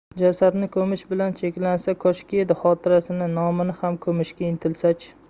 jasadni ko'mish bilan cheklansa koshki edi xotirasini nomini ham ko'mishga intilsa chi